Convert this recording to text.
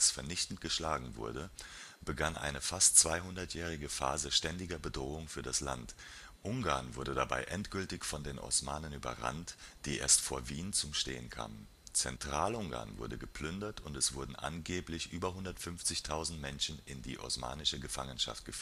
vernichtend geschlagen wurde, begann eine fast 200-jährige Phase ständiger Bedrohung für das Land. Ungarn wurde dabei endgültig von den Osmanen überrannt, die erst vor Wien zum Stehen kamen. Zentralungarn wurde geplündert und es wurden angeblich über 150.000 Menschen in die osmanische Gefangenschaft